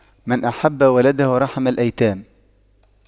من أحب ولده رحم الأيتام